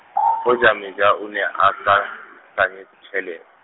hoja Meja o ne a sa, hlanyetse tjhelete.